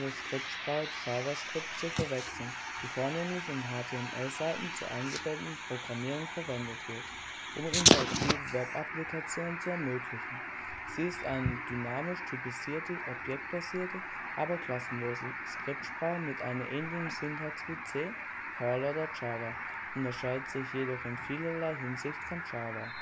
Skriptsprache JavaScript zu verwechseln, die vornehmlich in HTML-Seiten zur eingebetteten Programmierung verwendet wird, um interaktive Webapplikationen zu ermöglichen. Sie ist eine dynamisch typisierte, objektbasierte, aber klassenlose Skriptsprache mit einer ähnlichen Syntax wie C, Perl oder Java, unterscheidet sich jedoch in vielerlei Hinsicht von Java